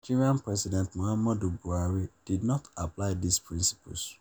Nigerian President Muhammadu Buhari did not apply these principles.